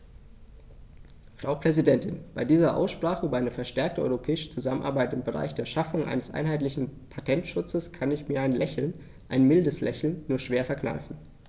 Frau Präsidentin, bei dieser Aussprache über eine verstärkte europäische Zusammenarbeit im Bereich der Schaffung eines einheitlichen Patentschutzes kann ich mir ein Lächeln - ein mildes Lächeln - nur schwer verkneifen.